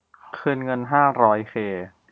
คืนเงินห้าร้อยเค